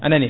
anani